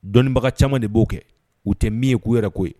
Dɔnniibaga caman de b'o kɛ u tɛ min ye k'u yɛrɛ ko ye